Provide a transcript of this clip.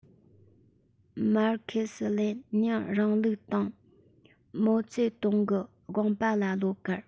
མར ཁེ སི ལེ ཉིན རིང ལུགས དང མའོ ཙེ ཏུང གི དགོངས པ ལ བློ དཀར